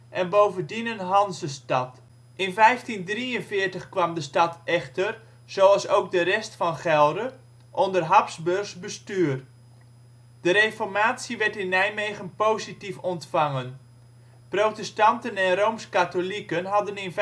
en bovendien een hanzestad. In 1543 kwam de stad echter, zoals ook de rest van Gelre, onder Habsburgs bestuur. De reformatie werd in Nijmegen positief ontvangen. Protestanten en Rooms-katholieken hadden in